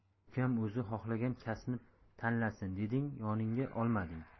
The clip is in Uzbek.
ukam o'zi xohlagan kasbni tanlasin deding yoningga olmading